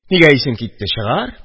Нигә исең китте, чыгар.